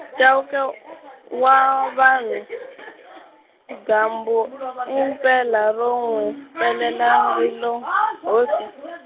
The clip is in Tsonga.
Chauke , wa vanhu , dyambu, impela ro n'wi pelela ri lo, hosi.